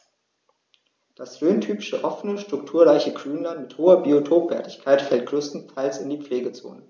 Das rhöntypische offene, strukturreiche Grünland mit hoher Biotopwertigkeit fällt größtenteils in die Pflegezone.